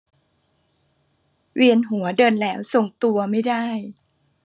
เวียนหัวเดินแล้วทรงตัวไม่ได้